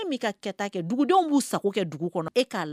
' sago kɛ dugu kɔnɔ